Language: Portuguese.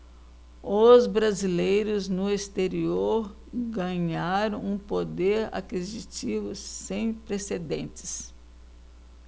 os brasileiros no exterior ganharam um poder aquisitivo sem precedentes